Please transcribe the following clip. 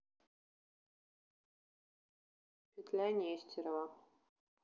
петля нестерова